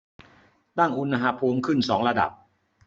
ตั้งอุณหภูมิขึ้นสองระดับ